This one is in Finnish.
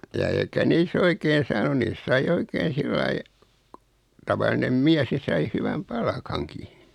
ja eikä niissä - oikein saanut niissä sai oikein sillä lailla tavallinen mies niin sai hyvän palkankin